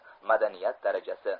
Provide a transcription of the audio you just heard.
madaniyat darajasi